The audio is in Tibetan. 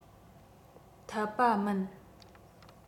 འཐད པ མིན